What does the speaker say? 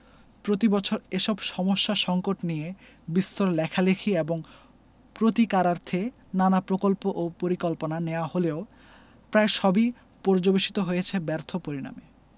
প্রতিবছর এসব সমস্যা সঙ্কট নিয়ে বিস্তর লেখালেখি এবং প্রতিকারার্থে নানা প্রকল্প ও পরিকল্পনা নেয়া হলেও প্রায় সবই পর্যবসিত হয়েছে ব্যর্থ পরিণামে